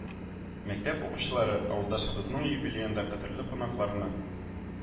Мәктәп укучылары, авылдашыбызның юбилеенда кадерле кунакларны